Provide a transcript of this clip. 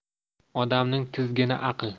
odamning tizgini aql